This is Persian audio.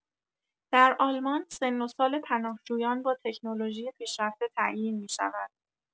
در آلمان سن و سال پناهجویان با تکنولوژی پیشرفته تعیین می‌شود.